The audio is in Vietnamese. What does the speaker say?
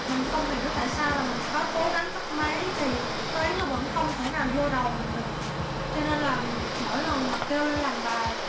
mình không hiểu tại sao mình có cố gắng cấp mấy thì toán nó vẫn không thể nào vô đầu mình được cho nên là mỗi lần kêu lên làm bài